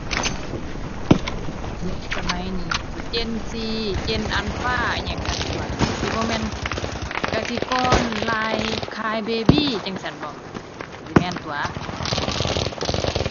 เด็กสมัยนี้ก็สิ Gen Z Gen Alpha อิหยังซั้นตั่ว ก็สิบ่แม่น กสิกร ลาย Crybaby จั่งซั้นบ่ สิแม่นตั่ว